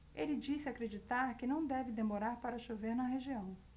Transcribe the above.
ele disse acreditar que não deve demorar para chover na região